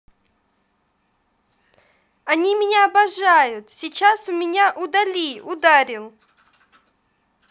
они меня обожают сейчас у меня удали ударил